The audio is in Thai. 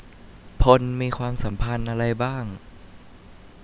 พลมีความสัมพันธ์อะไรบ้าง